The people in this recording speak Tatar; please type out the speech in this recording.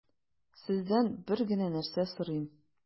Сездән бер генә нәрсә сорыйм: